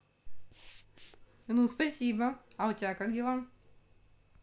ну спасибо у тебя как дела